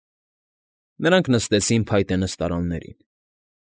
Նրանք նստեցին փայտե նստարաններին։